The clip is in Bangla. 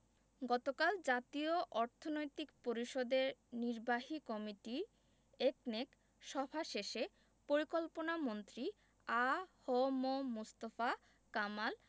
গতকাল জাতীয় অর্থনৈতিক পরিষদের নির্বাহী কমিটি একনেক সভা শেষে পরিকল্পনামন্ত্রী আ হ ম মুস্তফা কামাল